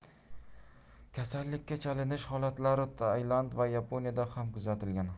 kasallikka chalinish holatlari tailand va yaponiyada ham kuzatilgan